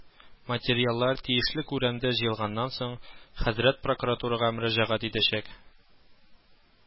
Материаллар тиешле күләмдә җыелганнан соң, хәзрәт прокуратурага мөрәҗәгать итәчәк